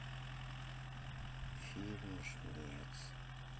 фильм жнец